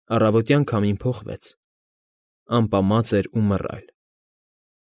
Առավոտյան քամին փոխվեց, ամպամած էր ու մռայլ։